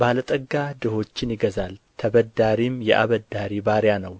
ባለጠጋ ድሆችን ይገዛል ተበዳሪም የአበዳሪ ባሪያ ነው